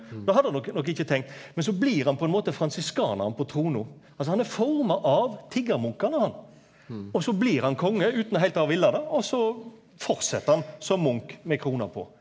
det hadde han nok nok ikkje tenkt men så blir han på ein måte fransiskanaren på trona, altså han er forma av tiggarmunkane han, og så blir han konge utan heilt å ha villa det og så fortsett han som munk med krona på.